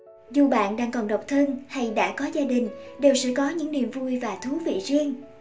dù bạn đang còn độc thân hay có gia đình đều sẽ có những niềm vui và thú vị riêng